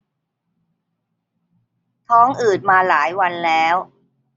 ท้องอืดมาหลายวันแล้ว